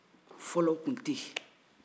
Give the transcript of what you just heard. fɔlɔ o tun tɛ ye